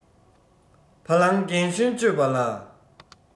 བ ལང རྒན གཞོན དཔྱོད པ ལ